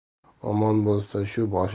omon bo'lsa shu boshim